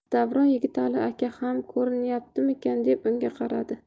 davron yigitali aka ham ko'ryaptimikin deb unga qaradi